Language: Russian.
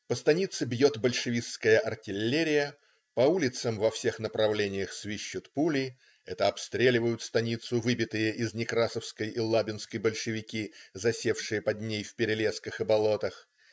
По станице бьет большевистская артиллерия, по улицам во всех направлениях свищут пули - это обстреливают станицу выбитые из Некрасовской и Лабинской большевики, засевшие под ней в перелесках и болотах.